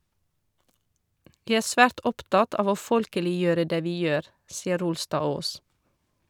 Vi er svært opptatt av å folkeliggjøre det vi gjør, sier Rolstadås.